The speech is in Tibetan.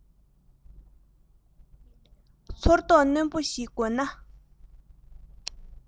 ཚོར རྟོག རྣོན པོ ཞིག དགོས ན